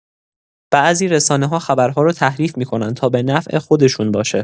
بعضی رسانه‌ها خبرها رو تحریف می‌کنن تا به نفع خودشون باشه.